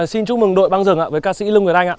xin chúc mừng đội băng rừng với ca sĩ lương nguyệt anh ạ